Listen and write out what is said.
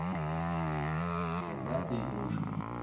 солдаты игрушки